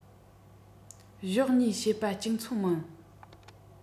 གཞོགས གཉིས བཤད པ གཅིག མཚུངས མིན